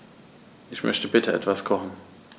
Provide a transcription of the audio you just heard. Ich möchte bitte etwas kochen.